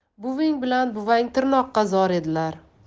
buving bilan buvang tirnoqqa zor edilar